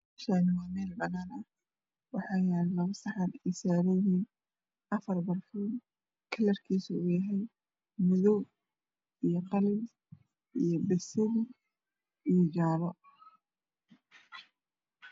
Meshan waa mel banan ah waxa yalo labo saxan oo saran afra barkin kalarka waa madow io qalin io basli io jale